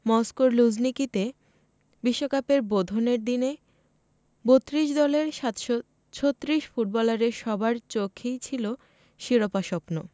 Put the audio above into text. মস্কোর লুঝনিকিতে বিশ্বকাপের বোধনের দিনে ৩২ দলের ৭৩৬ ফুটবলারের সবার চোখেই ছিল শিরোপা স্বপ্ন